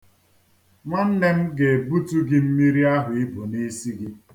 Nwanne m ga-ebutu gị mmiri ahụ i bu n'isi gị.